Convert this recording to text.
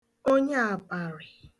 onye àpàrị̀